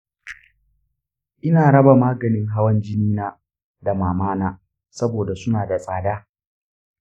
ina raba maganin hawan jini na da mama na saboda suna da tsada.